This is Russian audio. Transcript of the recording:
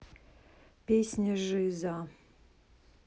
песня жиза